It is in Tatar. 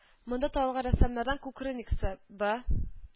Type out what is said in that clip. Монда танылган рәссамнардан Кукрыниксы, Бэ